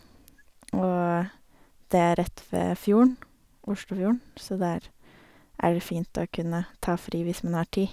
Og det er rett ved fjorden Oslofjorden, så der er det fint å kunne ta fri hvis man har tid.